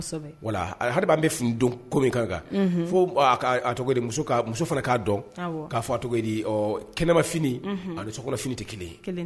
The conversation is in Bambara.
Kɔsɛbɛ, Wala, hali bi an bɛ fini don ko min kan kan, unhu, fɔ a tɔgɔ ye di, muso fana k'a dɔn, unhun, k'a fɔ, a tɔgɔ ye di, kɛnɛma fini a sokɔnɔ fini ani kɛnɛmɔn fin o tɛ kelen ye., kelen tɛ.